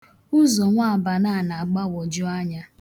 Ụzọnwabana a na-agbagwọjụ anya.